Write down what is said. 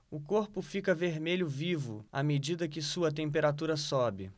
o corpo fica vermelho vivo à medida que sua temperatura sobe